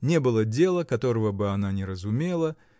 Не было дела, которого бы она не разумела